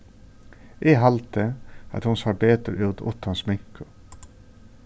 eg haldi at hon sær betur út uttan sminku